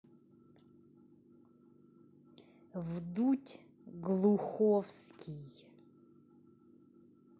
вдудь глуховский